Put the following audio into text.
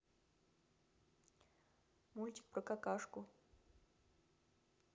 мультик про какашку